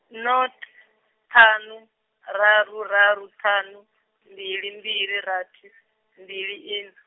nought, ṱhanu, raru raru ṱhanu, mbili mbili rathi, mbili ina.